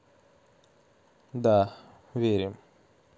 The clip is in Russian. да верим